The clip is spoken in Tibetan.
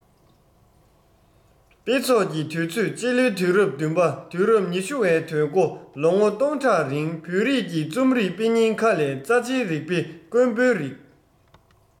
དཔེ ཚོགས ཀྱི དུས ཚོད སྤྱི ལོའི དུས རབས བདུན པ དུས རབས ཉི ཤུ བའི དུས མགོ ལོ ངོ སྟོང ཕྲག རིང བོད རིགས ཀྱི རྩོམ རིག དཔེ རྙིང ཁག ལས རྩ ཆེའི རིགས དཔེ དཀོན པོའི རིགས